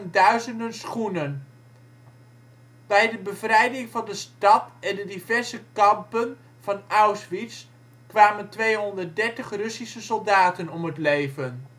duizenden schoenen. Bij de bevrijding van de stad en de diverse kampen van Auschwitz kwamen 230 Russische soldaten om het leven